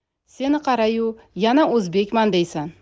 seni qara yu yana o'zbekman deysan